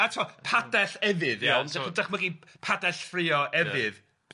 a ti'bod padell efydd iawn, so dychmygu p- padell ffrio efydd... Ia